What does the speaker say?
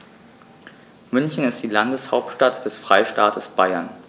München ist die Landeshauptstadt des Freistaates Bayern.